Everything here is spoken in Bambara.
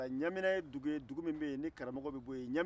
ɲimina ye dugu ye min bɛ ye ni karamɔgɔw bɛ bɔ ye